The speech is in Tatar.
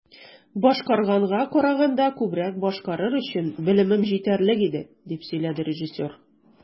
"башкарганга караганда күбрәк башкарыр өчен белемем җитәрлек иде", - дип сөйләде режиссер.